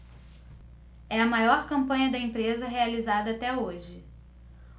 é a maior campanha da empresa realizada até hoje